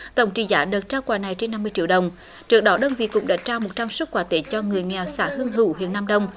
tổng trị giá đợt trao quà này trên năm mươi triệu đồng trước đó đơn vị cũng đã trao một trăm suất quà tết cho người nghèo xã hương hữu huyện nam đông